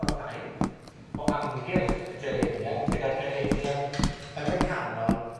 o rhain o amgylch y Geranium, gyda'r Geranium yn y canol,